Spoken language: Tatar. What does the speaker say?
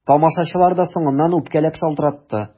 Тамашачылар да соңыннан үпкәләп шалтыратты.